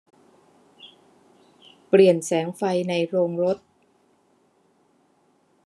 เปลี่ยนแสงไฟในโรงรถ